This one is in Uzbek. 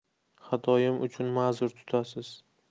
xatoim uchun ma'zur tutasiz